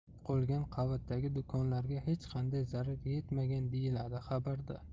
qolgan qavatdagi do'konlarga hech qanday zarar yetmagan deyiladi xabarda